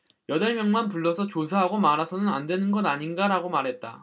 여덟 명만 불러서 조사하고 말아서는 안되는 것 아닌가라고 말했다